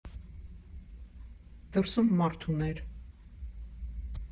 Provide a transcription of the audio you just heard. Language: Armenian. Դրսում մարդ ուներ։